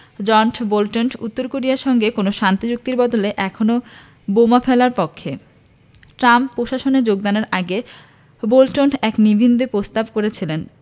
জন Bolton উত্তর কোরিয়ার সঙ্গে কোনো শান্তি চুক্তির বদলে এখনই বোমা ফেলার পক্ষে ট্রাম্প প্রশাসনে যোগদানের আগে বোল্টন এক নিবন্ধে প্রস্তাব করেছিলেন